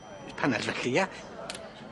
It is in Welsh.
Hannar nacdi ia?